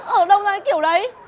ở đâu ra cái kiểu đấy